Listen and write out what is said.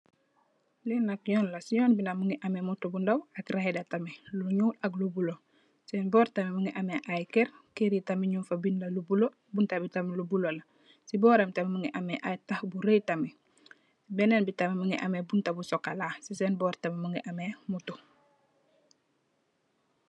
Lii nak yon la, cii yon bii nak mungy ameh motor bu ndaw ak rider tamit lu njull ak lu bleu, sehn bohrr tamit mungy ameh aiiy kerr, kerr yii tamit njung fa binda lu bleu, bunta bii tamit lu bleu la, cii bohram tamit mungy ameh aiiy taakh bu reiyy tamit, benen bii tamit mungy ameh bunta bu chocolat, cii sehn bohrre tamit mungy ameh motor.